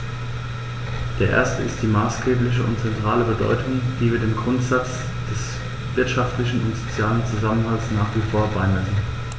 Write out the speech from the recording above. Der erste ist die maßgebliche und zentrale Bedeutung, die wir dem Grundsatz des wirtschaftlichen und sozialen Zusammenhalts nach wie vor beimessen.